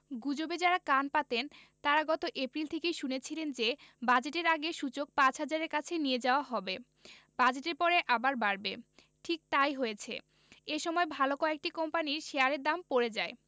গুজবে যাঁরা কান পাতেন তাঁরা গত এপ্রিল থেকেই শুনছিলেন যে বাজেটের আগে সূচক ৫ হাজারের কাছে নিয়ে যাওয়া হবে বাজেটের পরে আবার বাড়বে ঠিক তা ই হয়েছে এ সময় ভালো কয়েকটি কোম্পানির শেয়ারের দর পড়ে যায়